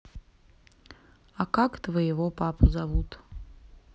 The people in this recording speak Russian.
а как твоего папу зовут